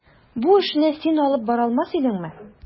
Бу эшне син алып бара алмас идеңме?